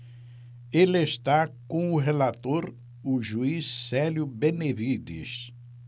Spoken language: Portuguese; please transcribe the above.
ele está com o relator o juiz célio benevides